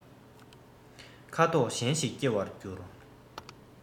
ཁ དོག གཞན ཞིག སྐྱེ བར འགྱུར